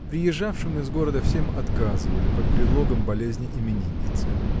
Приезжавшим из города всем отказывали, под предлогом болезни именинницы.